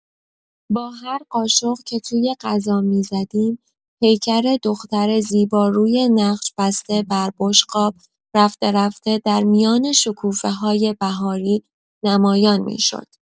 با هر قاشق که توی غذا می‌زدیم، پیکر دختر زیباروی نقش بسته بر بشقاب، رفته‌رفته در میان شکوفه‌های بهاری نمایان می‌شد.